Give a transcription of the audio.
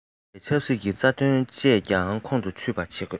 ཆགས པའི ཆབ སྲིད ཀྱི རྩ དོན བཅས ཀྱང ཁོང དུ ཆུད པ བྱེད དགོས